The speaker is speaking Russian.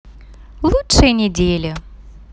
лучшей недели